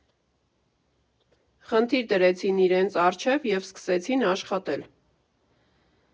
Խնդիր դրեցին իրենց առջև ու սկսեցին աշխատել։